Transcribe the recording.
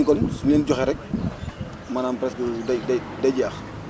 ñooñu kon su ñu leen joxee rek maanaam pesque day day day jeex